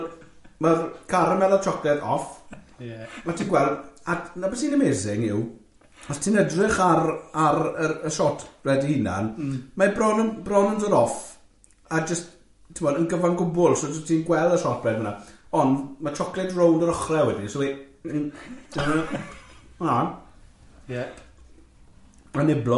ma'r caramel a chocolate off... Ie. ...ma' ti'n gweld a- na be' sy'n amazing yw os ti'n edrych ar ar yr y shotbread i hunan m-hm mae bron yn bron yn dod off, a jyst t'mod yn gyfan gwbl so jyst ti'n gweld y shotbread 'na ond ma' chocolate rownd yr ochrau wedyn so fi'n, yn gwbod, fel na, a niblo.